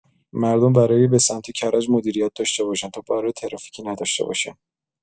مردم برای به سمت کرج مدیریت داشته باشند تا بار ترافیکی نداشته باشیم.